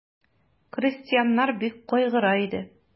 Крестьяннар бик кайгыра иде.